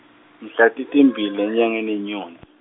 mhlatitimbili enyangeni yeNyoni.